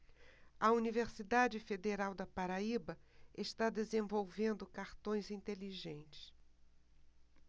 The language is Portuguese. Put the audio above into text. a universidade federal da paraíba está desenvolvendo cartões inteligentes